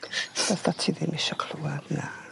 Bydda ti ddim isio clywad na.